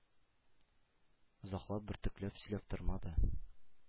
Озаклап, бөртекләп сөйләп тормады,